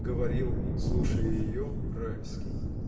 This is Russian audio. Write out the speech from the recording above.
— говорил, слушая ее, Райский.